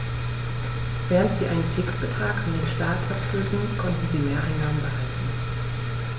Während sie einen Fixbetrag an den Staat abführten, konnten sie Mehreinnahmen behalten.